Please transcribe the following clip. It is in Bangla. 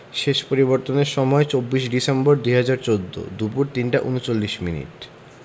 শেষ পরিবর্তনের সময় ২৪ ডিসেম্বর ২০১৪ দুপুর ৩টা ৩৯মিনিট